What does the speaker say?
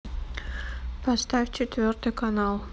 поставь четвертый канал